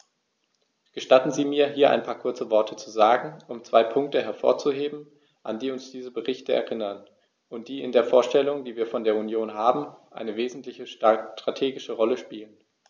Gestatten Sie mir, hier ein paar kurze Worte zu sagen, um zwei Punkte hervorzuheben, an die uns diese Berichte erinnern und die in der Vorstellung, die wir von der Union haben, eine wesentliche strategische Rolle spielen.